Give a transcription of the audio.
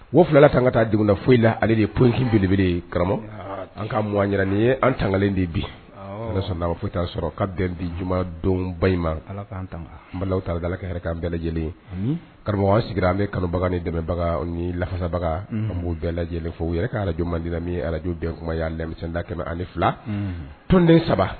O fila tan ka taa dna foyila ale de ye pfinbeleb karamɔgɔ an kauganyani ye an tanga de bi n sɔnna' foyi t'a sɔrɔ ka bɛn ɲumanuma ba ta bɛ ka an bɛɛ lajɛlen karamɔgɔ sigira an bɛ kanubaga ni dɛmɛbaga ani ni lafasabaga an bu bɛɛ lajɛlen fo u yɛrɛ ka alajo man di ni alaj y'a lamɛnmida kɛmɛ ani fila tonden saba